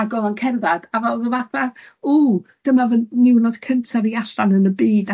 Ag o'dd o'n cerddad, a fel o'dd o fatha, ww! Dyma fy niwnod cyntaf i allan yn y byd